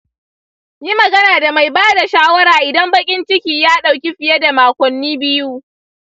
yi magana da mai ba da shawara idan baƙin ciki ya ɗauki fiye da makonni biyu.